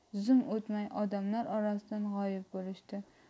zum o'tmay odamlar orasidan g'oyib bo'lishdi